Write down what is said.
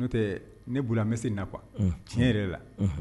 N'o tɛ ne bolola bɛ se na qu tiɲɛ yɛrɛ la